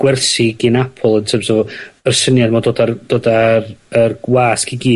gwersi gin Apple in terms o yr syniad 'ma dod â rw dod a'r yr gwasg i gyd